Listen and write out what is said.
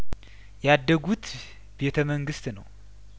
ያደጉት ቤተ መንግስት ነው